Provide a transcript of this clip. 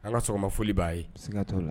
An ka sɔgɔma foli b'a ye